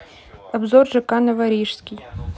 обзор жк новорижский